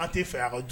An tɛ fɛ